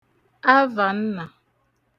avànnà